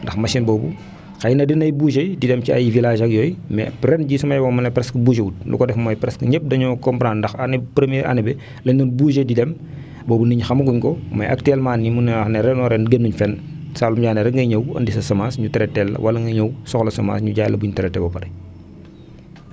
ndax machine boobu xëy na dinay bougé di dem ci ay villages ak yooyu mais ren jii su ma yeboo ma ne presque bougé wul li ko def mooy presque ñëpp dañoo comprendre ndax année première année bi la énu doon bougé di dem boobu nit ñi xamaguñ ko mais actuellemenet nii mun nañoo wax ni ren o ren génnuñ fenn Saalum Diané rek ngay ñëw indi sa semence ñu taité teel la wala nga ñëw soxla semence ñu jaay la buñ traité ba pare